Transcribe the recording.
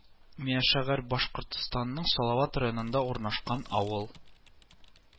Миәшагар Башкортстанның Салават районында урнашкан авыл